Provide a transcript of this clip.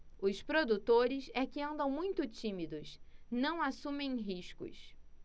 os produtores é que andam muito tímidos não assumem riscos